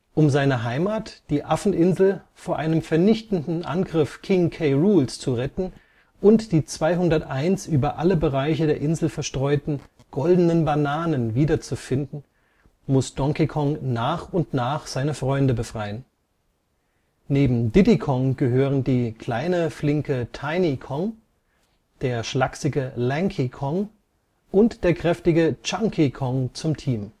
Um seine Heimat, die Affeninsel, vor einem vernichtenden Angriff King K. Rools zu retten und die 201 über alle Bereiche der Insel verstreuten Goldenen Bananen wieder zu finden, muss Donkey Kong nach und nach seine Freunde befreien. Neben Diddy Kong gehören die kleine flinke Tiny Kong, der schlaksige Lanky Kong und der kräftige Chunky Kong zum Team